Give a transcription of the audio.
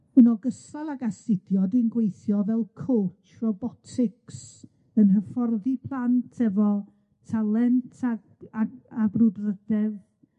Yn ogystal ag astudio, dwi'n gweithio fel coach robotics yn hyfforddi plant efo talent a a a brwdfrydedd